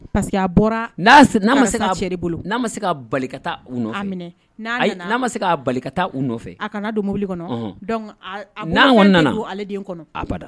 Parce que a bɔra n'a ma se k'a bali ka taa u nɔfɛ a kana don mobili kɔnɔ